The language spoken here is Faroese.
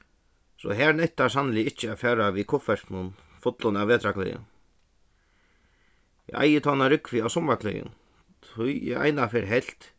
so har nyttar sanniliga ikki at fara við kuffertinum fullum av vetrarklæðum eg eigi tó eina rúgvu av summarklæðum tí eg einaferð helt